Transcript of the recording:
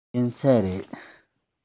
ཡིན ས རེད